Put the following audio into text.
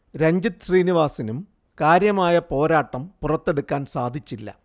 രൺജിത് ശ്രീനിവാസിനും കാര്യമായ പോരാട്ടം പുറത്തെടുക്കാൻ സാധച്ചില്ല